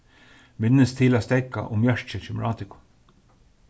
minnist til at steðga um mjørki kemur á tykkum